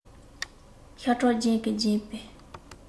ཤ ཁྲག རྒྱན གྱིས བརྒྱན པའི